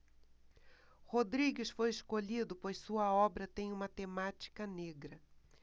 rodrigues foi escolhido pois sua obra tem uma temática negra